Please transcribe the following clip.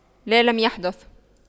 لا لم يحدث